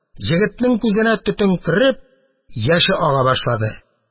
Егетнең күзенә төтен кереп, яше ага башлады.